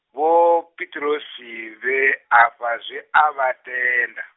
Vho Pitirosi vhe afha zwi a vha tenda.